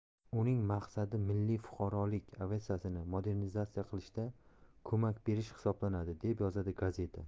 uning maqsadi milliy fuqarolik aviatsiyasini modernizatsiya qilishda ko'mak berish hisoblanadi deb yozadi gazeta